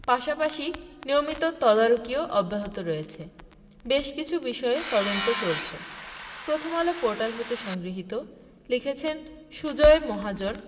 পাশাপাশি নিয়মিত তদারকিও অব্যাহত রয়েছে বেশ কিছু বিষয়ে তদন্ত চলছে প্রথমআলো পোর্টাল হতে সংগৃহীত লিখেছেন সুজয় মহাজন